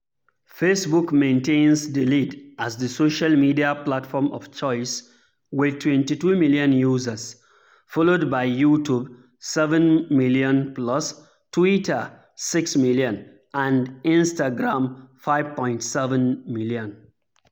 Facebook maintains the lead as the social media platform of choice with 22 million users, followed by YouTube (7 million+), Twitter (6 million) and Instagram (5.7 million).